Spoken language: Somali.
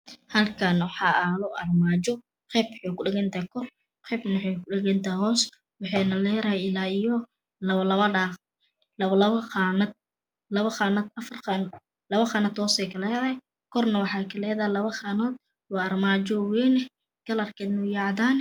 Halkan waxa alo armajo qayb waxay ku dhagan tahay kor qaybna hos wxayna le dahay labo daqadod iyo labo qanad hos waxay kle dahay labo qanadod korne waxay kle dahahy labo qanadod wa armajo wayn klarkeduna yahay cadan